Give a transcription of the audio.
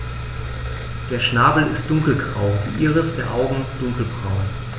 Der Schnabel ist dunkelgrau, die Iris der Augen dunkelbraun.